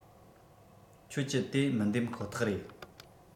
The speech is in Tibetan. ཁྱོད ཀྱི དེ མི འདེམ ཁོ ཐག རེད